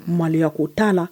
Maloya ko ta la.